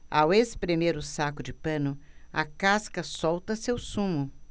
ao espremer o saco de pano a casca solta seu sumo